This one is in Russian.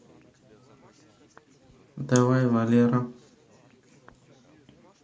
давай валера